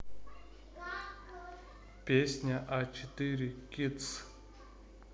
песня а четыре kids